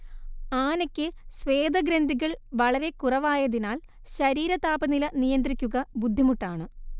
ആനയ്ക്ക് സ്വേദഗ്രന്ഥികൾ വളരെക്കുറവായതിനാൽ ശരീരതാപനില നിയന്ത്രിക്കുക ബുദ്ധിമുട്ടാണ്